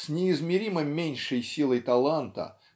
с неизмеримо меньшей силой таланта